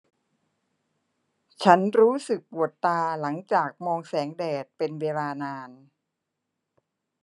ฉันรู้สึกปวดตาหลังจากมองแสงแดดเป็นเวลานาน